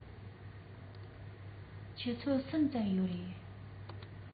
ཆུ ཚོད གསུམ ཙམ ཡོད རེད